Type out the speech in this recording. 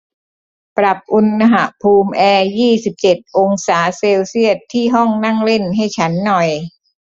ปรับอุณหภูมิแอร์ยี่สิบเจ็ดองศาเซลเซียสที่ห้องนั่งเล่นให้ฉันหน่อย